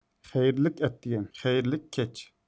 خەيرلىك ئەتىگەن خەيرلىك كەچ